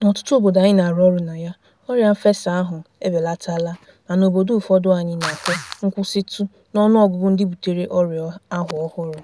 N'ọtụtụ obodo anyị na-arụ ọrụ na ya, ọrịa mfesa ahụ ebelatala, ma n'obodo ụfọdụ anyị na-ahụ nkwụsịtụ n'ọnụọgụgụ ndị butere ọrịa ahụ ọhụrụ.